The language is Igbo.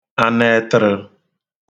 anə̣ ẹtərə̣̄